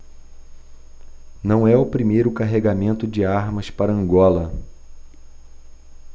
não é o primeiro carregamento de armas para angola